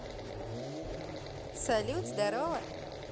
салют здорово